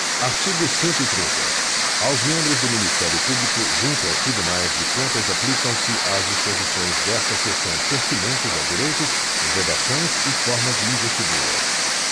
artigo cento e trinta aos membros do ministério público junto aos tribunais de contas aplicam se as disposições desta seção pertinentes a direitos vedações e forma de investidura